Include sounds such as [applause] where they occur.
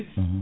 [hesitation] [hesitation]